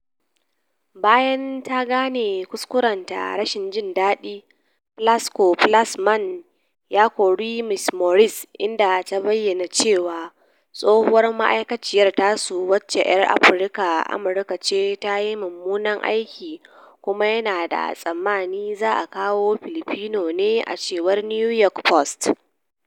Bayan ta gane kuskurenta, "rashin jin dadi" Plasco-Flaxman ya kori Ms. Maurice, inda ta bayyana cewa tsohuwar ma’aikaciyar tasu wace yar afuruka-Amurka ce, ta yi mummunan aiki kuma yana da tsammanin za a kawo Filipino ne, a cewar New York Post.